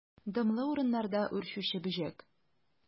Дымлы урыннарда үрчүче бөҗәк.